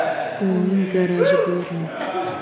uyning garaji bormi